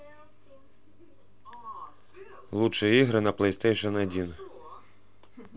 лучшие игры на плейстейшен один